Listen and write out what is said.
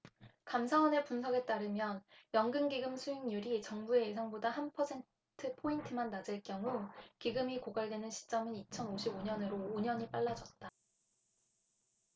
감사원의 분석에 따르면 연금기금수익률이 정부의 예상보다 한 퍼센트포인트만 낮을 경우 기금이 고갈되는 시점은 이천 오십 오 년으로 오 년이 빨라졌다